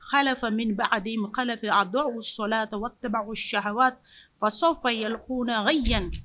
Ale min bbaa ma' fɛ a dɔw sɔnnala ta waati fasa fa yɛlɛkun na a yan